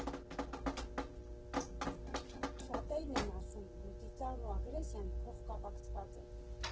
Շատերն են ասում, որ ծիծաղն ու ագրեսիան փոխկապակցված են։